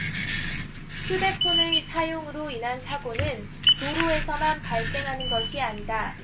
휴대폰의 사용으로 인한 사고는 도로에서만 발생하는 것이 아니다